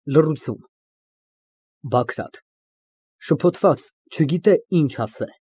Լռություն)։ ԲԱԳՐԱՏ ֊ (Շփոթված, չգիտե ինչ անե)։